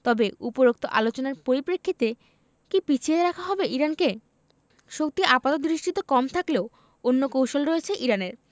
তবে উপরোক্ত আলোচনার পরিপ্রেক্ষিতে কি পিছিয়ে রাখা হবে ইরানকে শক্তি আপাতদৃষ্টিতে কম থাকলেও অন্য কৌশল রয়েছে ইরানের